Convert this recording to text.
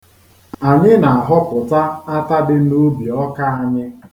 Anyị na-ahọpụta ata dị n'ubi ọka anyị.